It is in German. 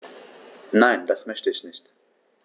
Nein, das möchte ich nicht.